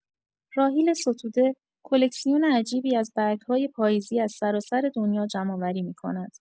راحیل ستوده، کلکسیون عجیبی از برگ‌های پاییزی از سراسر دنیا جمع‌آوری می‌کند.